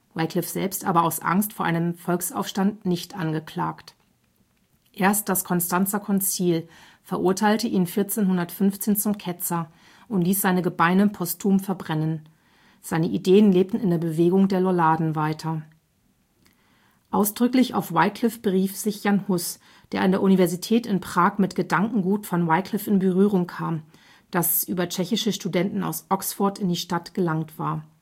Wyclif selbst aber aus Angst vor einem Volksaufstand nicht angeklagt. Erst das Konstanzer Konzil verurteilte ihn 1415 zum Ketzer und ließ seine Gebeine posthum verbrennen. Seine Ideen lebten in der Bewegung der Lollarden weiter. Jan Hus Ausdrücklich auf Wyclif berief sich Jan Hus, der an der Universität in Prag mit Gedankengut von Wyclif in Berührung kam, das über tschechische Studenten aus Oxford in die Stadt gelangt war